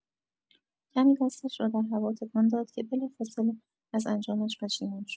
کمی دستش را در هوا تکان داد که بلافاصله، از انجامش پشیمان شد.